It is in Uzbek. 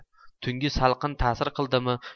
tungi salqin tasir qildimi